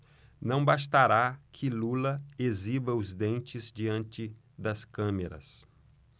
não bastará que lula exiba os dentes diante das câmeras